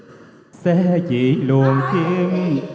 se chỉ luồn kim